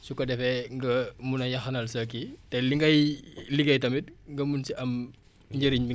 su ko defee nga mun a yaxanal sa kii te li ngay liggéey tamit nga mun si am njëriñ bi